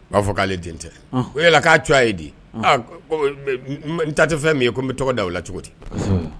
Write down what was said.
U b'a fɔ k'ale den tɛ o ye k'a cogoya ye di n tatɛ fɛn min ye ko n bɛ tɔgɔ da u la cogo di